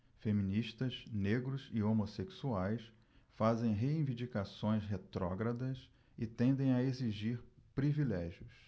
feministas negros e homossexuais fazem reivindicações retrógradas e tendem a exigir privilégios